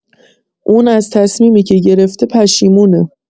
اون از تصمیمی که گرفته پشیمونه!